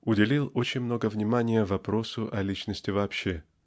уделил очень много внимания вопросу о личности вообще